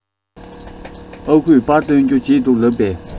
ཨ ཁུས པར བཏོན རྒྱུ བརྗེད འདུག ལབ པས